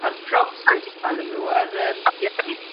a'r props fel ti'n galw nw a'r yym